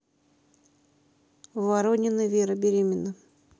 воронины вера беременна